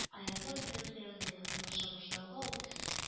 Аэропорт бинасы янына якынлаша башлауга ул